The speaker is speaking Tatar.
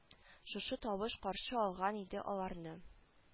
Шушы тавыш каршы алган иде аларны